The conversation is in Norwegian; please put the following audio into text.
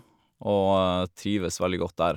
Og trives veldig godt der.